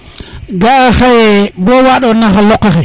ga a xaye bo wandona xa loqaxe